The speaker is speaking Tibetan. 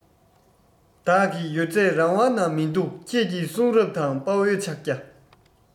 བདག གི ཡོད ཚད རང དབང ན མི འདུག ཁྱེད ཀྱི གསུང རབ དང དཔའ བོའི ཕྱག རྒྱ